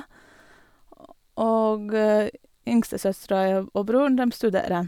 Og yngstesøstera jev og broren, dem studerer.